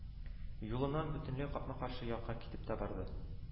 Юлыннан бөтенләй капма-каршы якка китеп тә барды